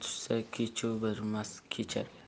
tushsa kechuv bermas kecharga